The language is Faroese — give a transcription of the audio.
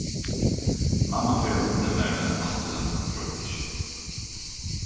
mamma fer at binda mær eina afturlatna troyggju